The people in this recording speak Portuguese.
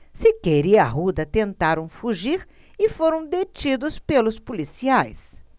siqueira e arruda tentaram fugir e foram detidos pelos policiais